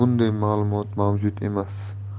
ma'lumot mavjud emas